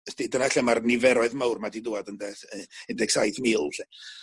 ysti dyna lle ma'r niferoedd mawr 'ma 'di dŵad ynde s- yy un deg saith mil 'lly.